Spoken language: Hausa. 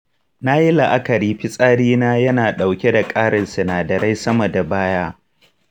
nayi la'akari fitsarina ya na ɗauke da ƙarin sinadarai sama da baya.